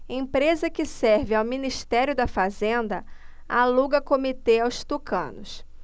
empresa que serve ao ministério da fazenda aluga comitê aos tucanos